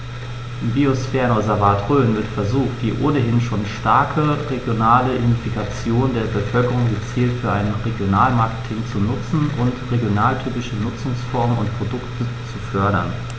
Im Biosphärenreservat Rhön wird versucht, die ohnehin schon starke regionale Identifikation der Bevölkerung gezielt für ein Regionalmarketing zu nutzen und regionaltypische Nutzungsformen und Produkte zu fördern.